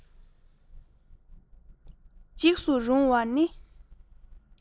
འཇིགས སུ རུང བ ནི